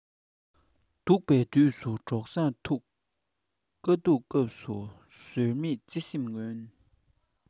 སྡུག པའི དུས སུ གྲོགས བཟང ཐུག དཀའ སྡུག སྐབས སུ ཟོལ མེད བརྩེ སེམས མངོན